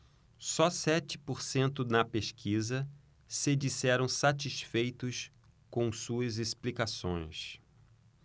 só sete por cento na pesquisa se disseram satisfeitos com suas explicações